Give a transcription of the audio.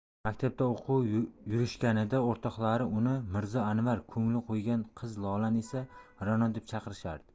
maktabda o'qib yurishganida o'rtoqlari uni mirzo anvar ko'ngil qo'ygan qizi lolani esa ra'no deb chaqirishardi